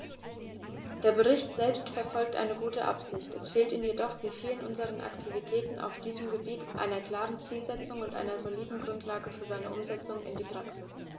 Der Bericht selbst verfolgt eine gute Absicht, es fehlt ihm jedoch wie vielen unserer Aktivitäten auf diesem Gebiet an einer klaren Zielsetzung und einer soliden Grundlage für seine Umsetzung in die Praxis.